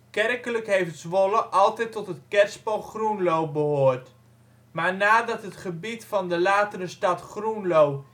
Kerkelijk heeft Zwolle altijd tot het kerspel Groenlo behoord. Maar nadat het gebied van de latere stad Groenlo